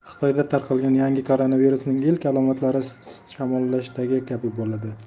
xitoyda tarqalgan yangi koronavirusning ilk alomatlari shamollashdagi kabi bo'ladi